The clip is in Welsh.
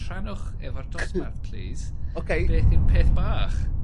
rhannwch efo'r dosbarth... ...plîs... Oce. ...beth yw'r peth bach?